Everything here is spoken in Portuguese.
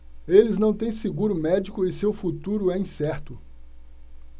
eles não têm seguro médico e seu futuro é incerto